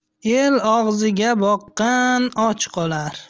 el og'ziga boqqan och qolar